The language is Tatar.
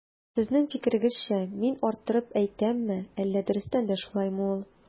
Сезнең фикерегезчә мин арттырып әйтәмме, әллә дөрестән дә шулаймы ул?